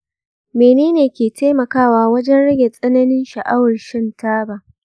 menene ke taimakawa wajen rage tsananin sha'awar shan taba?